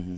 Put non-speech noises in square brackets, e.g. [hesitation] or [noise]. [hesitation] [hesitation]